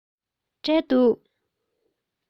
འབྲས འདུག